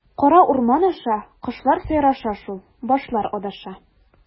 Кара урман аша, кошлар сайраша шул, башлар адаша.